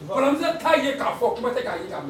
Wamusokisɛ ta ye k'a fɔ kuma tɛ k' ɲi'